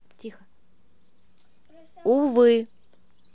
увы